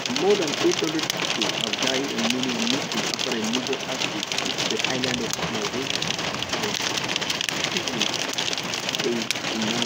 More than 800 people have died and many are missing after a major earthquake hit the island of Sulawesi on Friday, triggering a tsunami.